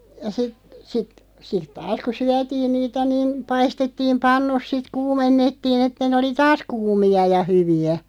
ja sitten sitten sitten taas kun syötiin niitä niin paistettiin pannut sitten kuumennettiin että ne oli taas kuumia ja hyviä